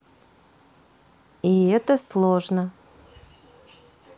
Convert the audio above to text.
и это сложно